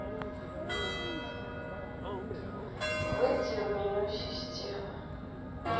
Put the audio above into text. выйти в меню системы